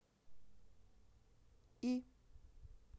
и